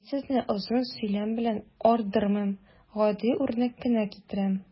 Мин сезне озын сөйләм белән ардырмыйм, гади үрнәк кенә китерәм.